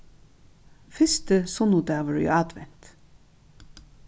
fyrsti sunnudagur í advent